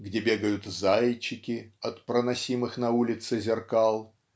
где бегают "зайчики" от проносимых на улице зеркал